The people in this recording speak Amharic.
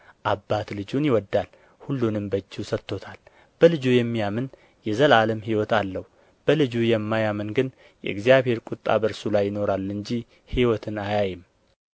አባት ልጁን ይወዳል ሁሉንም በእጁ ሰጥቶታል በልጁ የሚያምን የዘላለም ሕይወት አለው በልጁ የማያምን ግን የእግዚአብሔር ቍጣ በእርሱ ላይ ይኖራል እንጂ ሕይወትን አያይም